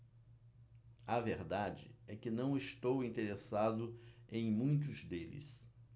a verdade é que não estou interessado em muitos deles